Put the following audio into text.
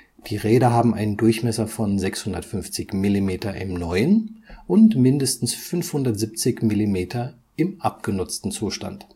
Die Räder haben einen Durchmesser von 650 mm im neuen und mindestens 570 mm im abgenutzten Zustand